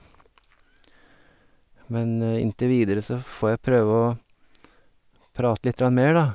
Men inntil videre så får jeg prøve å prate lite grann mer da.